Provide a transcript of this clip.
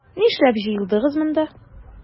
Нишләп җыелдыгыз монда?